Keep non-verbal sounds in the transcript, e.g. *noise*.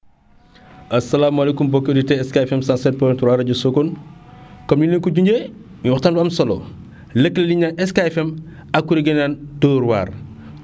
asalaamaaleykum mbokki auditeurs SK FM 107.3 rajo sokone *noise* comme ni ñu leen ko junjee muy waxtaan bu am solo lëkkale li ñu naan SK FM ak kuréel gu ñu naan Dóor waar